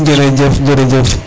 jerejef jerejef